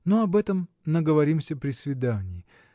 Но об этом наговоримся при свидании.